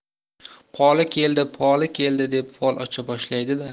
poli keldi poli keldi deb fol ocha boshlaydi da